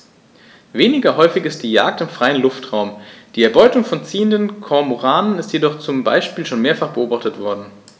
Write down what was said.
Weniger häufig ist die Jagd im freien Luftraum; die Erbeutung von ziehenden Kormoranen ist jedoch zum Beispiel schon mehrfach beobachtet worden.